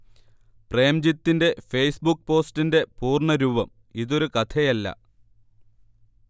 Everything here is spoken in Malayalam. പ്രേംജിത്തിന്റെ ഫേസ്ബുക്ക് പോസ്റ്റിന്റെ പൂർണ്ണരൂപം, ഇതൊരു കഥയല്ല